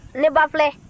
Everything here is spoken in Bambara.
ne ba filɛ